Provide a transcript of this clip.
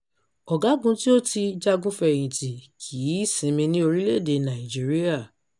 Ọ̀gágun tí ó ti jagun fẹ̀yìntì kì í sinmi ní orílẹ̀-èdè Nàìjíríà